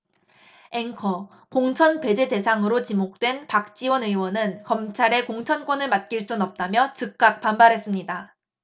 앵커 공천 배제 대상으로 지목된 박지원 의원은 검찰에 공천권을 맡길 순 없다며 즉각 반발했습니다